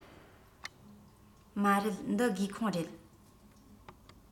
མ རེད འདི སྒེའུ ཁུང རེད